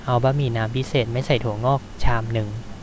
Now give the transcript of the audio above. เอาบะหมี่น้ำพิเศษไม่ใส่ถั่วงอกชามนึง